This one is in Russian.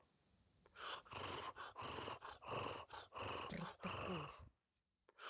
простаков